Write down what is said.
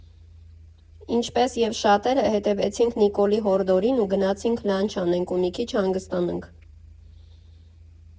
Ինչպես և շատերը, հետևեցինք Նիկոլի հորդորին ու գնացինք լանչ անենք ու մի քիչ հանգստանանք։